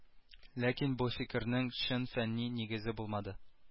Ләкин бу фикернең чын фәнни нигезе булмады